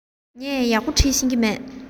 ངས ཡག པོ འབྲི ཤེས ཀྱི མེད